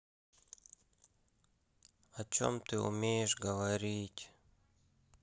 о чем ты умеешь говорить